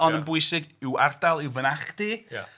Oedd yn bwysig i'w ardal i'w fynachdy.